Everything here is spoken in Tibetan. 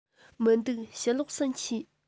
མི འདུག ཕྱི ལོགས སུ མཆིས